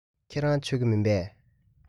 ཁྱོད རང མཆོད ཀྱི མིན པས